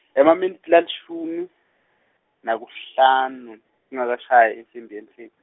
emaminitsi lalishumi nakuhlanu kungekashayi insimbi yemfica.